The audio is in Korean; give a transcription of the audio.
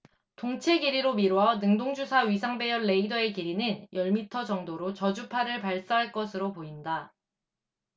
동체 길이로 미뤄 능동주사 위상 배열 레이더의 길이는 열 미터 정도로 저주파 를 발사할 것으로 보인다